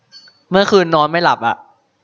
เมื่อคืนนอนไม่หลับอะ